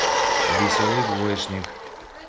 веселый двоешник